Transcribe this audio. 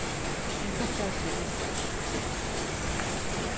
ein krukka av sild